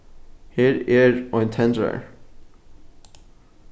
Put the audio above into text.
her er ein tendrari